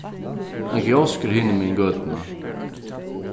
ein kiosk er hinumegin gøtuna